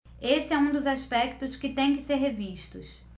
esse é um dos aspectos que têm que ser revistos